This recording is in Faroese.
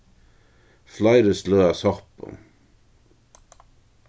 fleiri sløg av soppum